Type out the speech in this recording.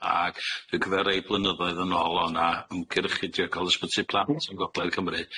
Ag dwi'n cofio rei blynyddoedd yn ôl o' 'na ymgyrchu i drio ca'l ysbyty plant yn Gogledd Cymru,